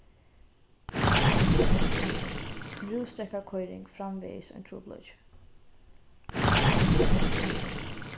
rúsdrekkakoyring framvegis ein trupulleiki